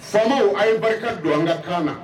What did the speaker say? Faamaw a ye barika don an ka kan na.